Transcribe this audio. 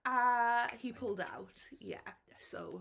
A he pulled out. Ie, so...